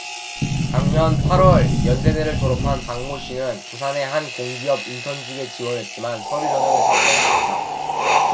작년 팔 월 연세대를 졸업한 박모씨는 부산의 한 공기업 인턴 직에 지원했지만 서류 전형에서 탈락했다